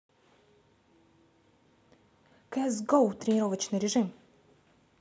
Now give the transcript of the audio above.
cs go тренировочный режим